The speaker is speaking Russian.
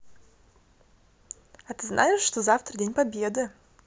а ты знаешь что завтра день победы